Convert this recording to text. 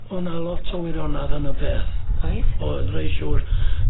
O' 'na lot o wirionadd yn y peth. Oedd? Oedd reit siŵr.